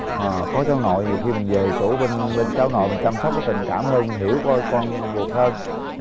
à có cháu nội nhiều khi mình về chỗ bên bên cháu nội mình chăm sóc nó tình cảm hơn hiểu con con ruột hơn